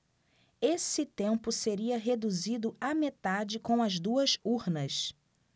esse tempo seria reduzido à metade com as duas urnas